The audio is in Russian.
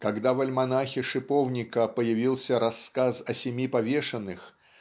Когда в альманахе "Шиповника" появился "Рассказ о семи повешенных"